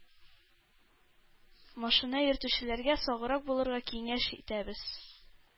Машина йөртүчеләргә саграк булырга киңәш итәбез,